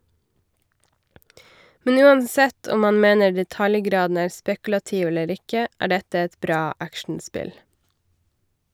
Men uansett om man mener detaljgraden er spekulativ eller ikke, er dette et bra actionspill .